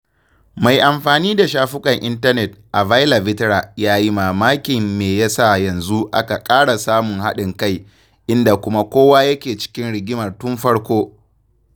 Mai amfani da shafukan intanet, Avylavitra ya yi mamakin me ya sa yanzu aka ƙara samun haɗin-kai, inda kuma kowa yake cikin rigimar tun farko (mg)?.